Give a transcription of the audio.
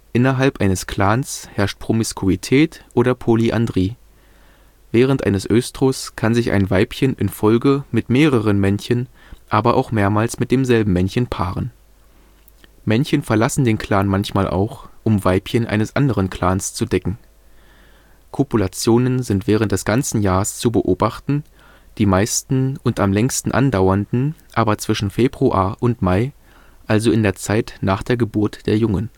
Innerhalb eines Clans herrscht Promiskuität oder Polyandrie. Während eines Östrus kann sich ein Weibchen in Folge mit mehreren Männchen, aber auch mehrmals mit demselben Männchen paaren. Männchen verlassen den Clan manchmal auch, um Weibchen eines anderen Clans zu decken. Kopulationen sind während des ganzen Jahres zu beobachten, die meisten und am längsten andauernden aber zwischen Februar und Mai – also in der Zeit nach der Geburt der Jungen